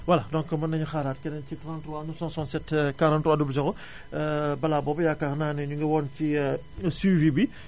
voilà donc mën nañu xaaraat keneen ci 33 967 43 00 balaa boobu yaakaar naa ne ñu ngi woon ci suivi bi